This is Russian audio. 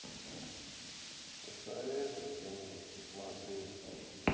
посоветуй что нибудь посмотреть